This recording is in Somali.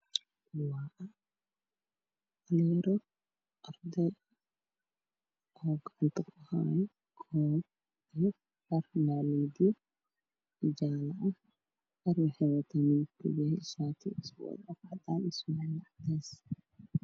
Kuwani waa dhalinyari qabto oo gacanta ku hayo koob iyo dhar maaliyo ah oo jaala ah dhar waxay wataan midabkoodu yahay shaati iyo surwaal cadaan ah iyo surwaalo cadays ah